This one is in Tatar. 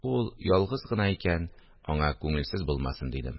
Ул ялгыз гына икән, аңа күңелсез булмасын дидем